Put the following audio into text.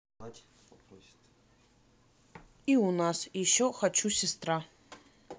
и у нас еще хочу сестра